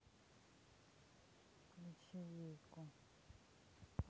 включи вику